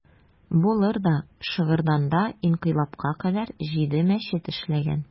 Булыр да, Шыгырданда инкыйлабка кадәр җиде мәчет эшләгән.